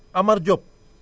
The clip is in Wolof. Amar Diop